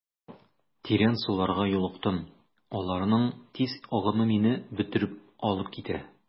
Тирән суларга юлыктым, аларның тиз агымы мине бөтереп алып китә.